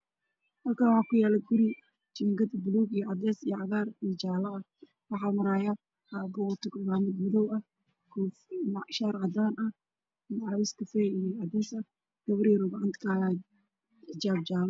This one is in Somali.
Halkaan waxaa kuyaalo guri jiingad ah midabkiisu waa buluug, cadeys, cagaar iyo jaale, waxaa maraayo nin wato koofi gaduud ah, shaar cadaan ah iyo macawis kafay iyo cadeys ah, gabar yar ayuu gacanta kahayaa oo wadato xijaab jaale ah.